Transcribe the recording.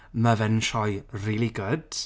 Ma' fe'n sioe really good.